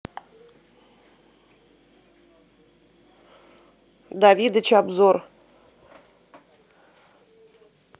давидыч обзор